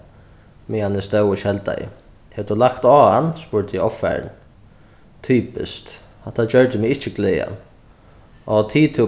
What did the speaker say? meðan eg stóð og skeldaði hevur tú lagt á hann spurdi eg ovfarin typiskt hatta gjørdi meg ikki glaðan áh tig tú